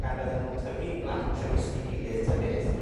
gan, bydden nw'n tyfu'n glatsh ymysg 'i gilydd ta beth.